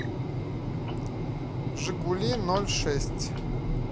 жигули ноль шесть